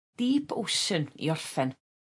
deep ocean i orffen.